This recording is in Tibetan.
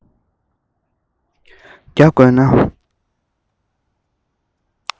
རྒྱག དགོས ན